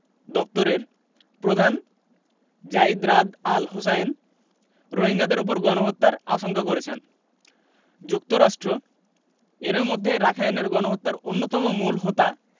দপ্তরের প্রধান Zeid Ra'ad al Hussein রোহিঙ্গাদের ওপর গণহত্যার আশঙ্কা করেছেন যুক্তরাষ্ট্র এরই মধ্যে রাখাইনে গণহত্যার অন্যতম মূল হোতা